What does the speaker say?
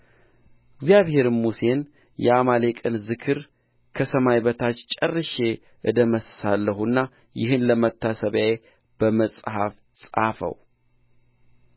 እግዚአብሔርም ሙሴን የአማሌቅን ዝክር ከሰማይ በታች ጨርሼ እደመስሳለሁና ይህን ለመታሰቢያ በመጽሐፍ ጻፈው